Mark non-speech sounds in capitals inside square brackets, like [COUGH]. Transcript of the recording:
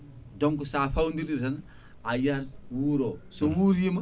donc sa fawodiri tan ayiyat wuuro [SMACKS LIPS] so wuurima